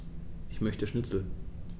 Ich möchte Schnitzel.